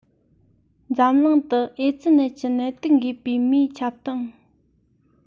འཛམ གླིང དུ ཨེ ཙེ ནད ཀྱི ནད དུག འགོས པའི མིའི ཁྱབ སྟངས